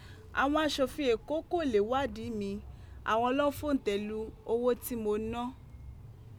Àwọn aṣòfin Eko kò le è wádìí mi, àwọn ló fòǹtẹ̀ lu owó tí mo ná